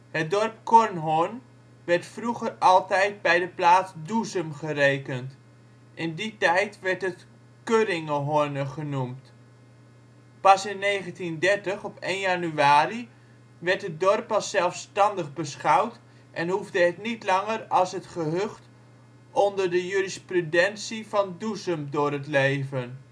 Het dorp Kornhorn werd vroeger altijd bij de plaats Doezum gerekend. In die tijd werd het Curringehorne genoemd. Pas in 1930, 1 januari, werd het dorp als zelfstandig beschouwd en hoefde het niet langer als het gehucht onder de jurisprudentie van Doezum door het leven